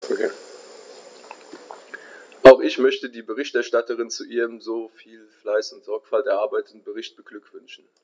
Auch ich möchte die Berichterstatterin zu ihrem mit so viel Fleiß und Sorgfalt erarbeiteten Bericht beglückwünschen.